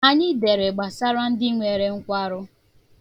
Anyị dere gbasara ndị nwere nkwarụ.